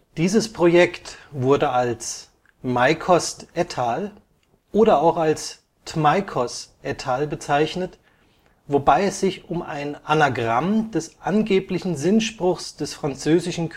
Dieses Projekt wurde als Meicost Ettal oder auch als Tmeicos Ettal bezeichnet, wobei es sich um ein Anagramm des angeblichen Sinnspruchs des französischen